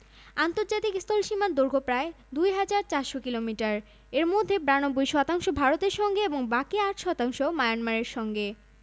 থেকে ৯২ ডিগ্রি ৪১মিনিট দ্রাঘিমাংশ পর্যন্ত বিস্তৃত পূর্ব পশ্চিমে সর্বোচ্চ বিস্তৃতি ৪৪০ কিলোমিটার এবং উত্তর উত্তর পশ্চিম থেকে দক্ষিণ দক্ষিণপূর্ব প্রান্ত পর্যন্ত সর্বোচ্চ বিস্তৃতি